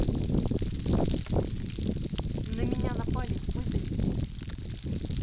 на меня напали вызови